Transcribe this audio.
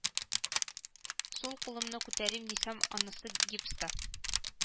Сул кулымны күтәрим дисәм анысы гипста